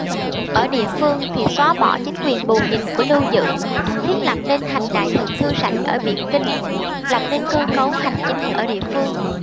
ở địa phương thì xóa bỏ chính quyền bù nhìn của lưu dự thiết lập nên hành đài thượng thư sảnh ở biện kinh lập nên cơ cấu hành chính ở địa phương